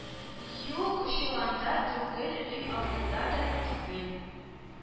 Юк чоланда түгел өйалдында да түгел